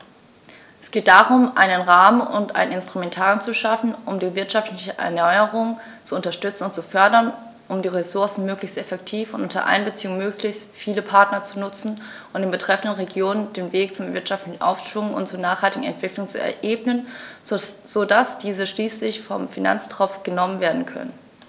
Es geht darum, einen Rahmen und ein Instrumentarium zu schaffen, um die wirtschaftliche Erneuerung zu unterstützen und zu fördern, um die Ressourcen möglichst effektiv und unter Einbeziehung möglichst vieler Partner zu nutzen und den betreffenden Regionen den Weg zum wirtschaftlichen Aufschwung und zur nachhaltigen Entwicklung zu ebnen, so dass diese schließlich vom Finanztropf genommen werden können.